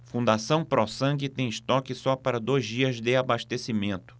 fundação pró sangue tem estoque só para dois dias de abastecimento